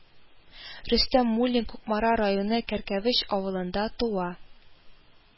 Рөстәм Муллин Кукмара районы Кәркәвеч авылында туа